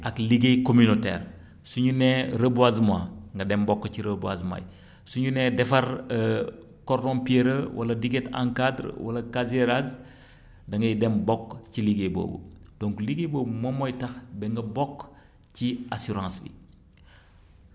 ak liggéey communautaire su ñu nee reboisement nga dem bokk ci reboisement yi su ñu nee defar cordon pierreux wala diguette en cadre wala casier rase da ngay dem bokk ci liggéey boobu donc liggéey boobu moom mooy tax ba nga bokk ci assurance bi